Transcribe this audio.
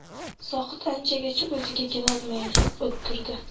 zohid anchagacha o'ziga kelolmay o'tirdi